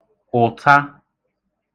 ụ̀ta